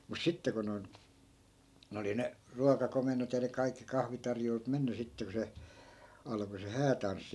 mutta sitten kun noin ne oli ne ruokakomennot ja ne kaikki kahvitarjoilut mennyt sitten kun se alkoi se häätanssi